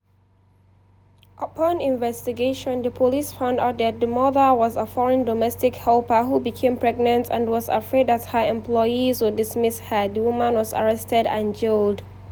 Upon investigation, the police found out that the mother was a foreign domestic helper who became pregnant and was afraid that her employers would dismiss her. The woman was arrested and jailed.